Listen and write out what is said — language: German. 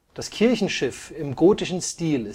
Das Kirchenschiff im gotischen Stil